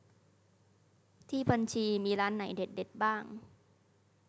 ที่บัญชีมีร้านไหนเด็ดเด็ดบ้าง